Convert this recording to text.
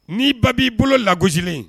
Nii ba b'i bolo lagosielen